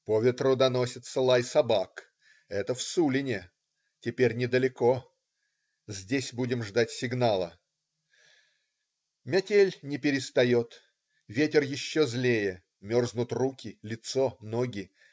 По ветру доносился лай собак - это в Сулине. Теперь недалеко. Здесь будем ждать сигнала. Метель не перестает. Ветер еще злее. Мерзнут руки, лицо, ноги.